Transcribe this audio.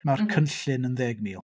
Mae'r... m-hm. ...cynllun yn ddeg mil.